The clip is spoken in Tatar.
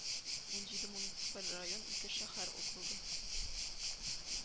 Унҗиде муниципаль район, ике шәһәр округы